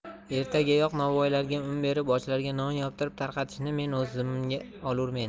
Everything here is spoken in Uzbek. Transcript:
ertagayoq novvoylarga un berib ochlarga non yoptirib tarqatishni men o'z zimmamga olurmen